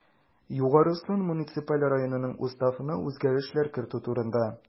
Югары Ослан муниципаль районынның Уставына үзгәрешләр кертү турында